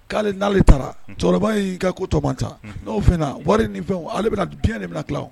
K'ale n'ale taara,. Unhun! Cɛkɔrɔba in ka ko tɔ man ca. Unhun! N'o fɛn na wari ni fɛnw ale bɛna bien de bɛna tila o. Unhun.